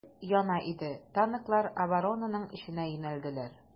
Җир яна иде, танклар оборонаның эченә юнәлделәр.